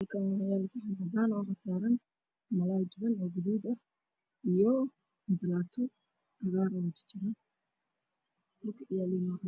Halkaan waxaa yaalo saxan cadaan ah waxaa saaran malaay duban oo gaduud ah iyo ansalaato cagaar ah oo jarjaran, dhulka uu yaalo waa cadaan.